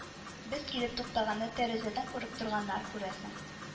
Без килеп туктаганны тәрәзәдән күреп торганнар, күрәсең